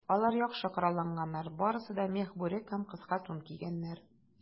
Алар яхшы коралланганнар, барысы да мех бүрек һәм кыска тун кигәннәр.